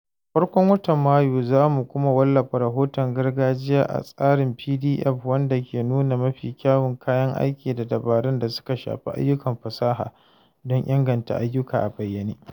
A farkon watan Mayu za mu kuma wallafa rahoton gargajiya a tsarin PDF wanda ke nuna mafi kyawun kayan aiki da dabarun da suka shafi ayyukan fasaha don inganta ayyuka a bayyane.